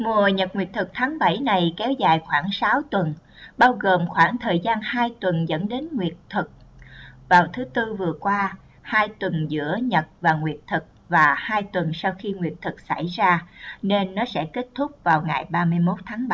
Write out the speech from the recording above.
mùa nhật nguyệt thực tháng này kéo dài khoảng tuần bao gồm khoảng thời gian hai tuần dẫn đến nhật thực vào ngày thứ tư vừa qua hai tuần giữa nhật và nguyệt thực và hai tuần sau khi nguyệt thực nên nó sẽ kết thúc vào ngày tháng